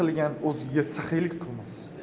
o'zgaga saxiylik qilmas